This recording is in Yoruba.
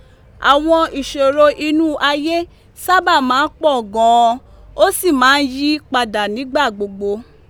Àwọn ìṣòro inú ayé sábà máa ń pọ̀ gan an, ó sì máa ń yí padà nígbà gbogbo.